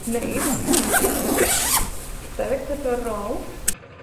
neis, dau ddeg pedwar rôl